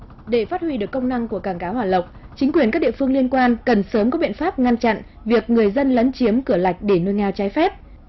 để phát huy được công năng của cảng cá hòa lộc chính quyền các địa phương liên quan cần sớm có biện pháp ngăn chặn việc người dân lấn chiếm cửa lạch để nuôi ngao trái phép